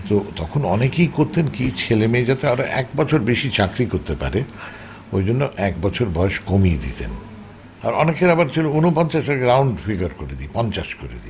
তো তখন অনেকেই করতেন কি ছেলে মেয়ে যাতে আরো এক বছর বেশি চাকরি করতে পারে এ জন্য এক বছর বয়স কমিয়ে দিতেন আর অনেকের আবার ছিল উনপঞ্চাশের রাউন্ড ফিগার করে দি 50 করে দি